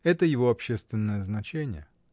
Это его общественное значение.